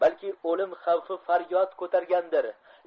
balki o'lim xavfi faryod ko'targandir